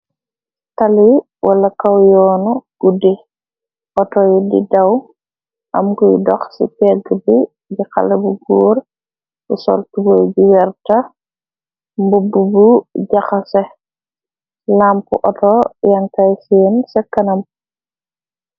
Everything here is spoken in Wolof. Tali wala kaw yoonu guddi auto yu di daw. Am kuy dox ci tegg bi di xalé bu góor bi soltubo bi werta mbubb bu jaxase. Lamp atto yantay seen sa canam.